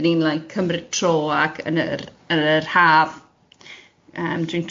'dan ni'n like cymryd tro ac yn yr yn yr haf yym dwi'n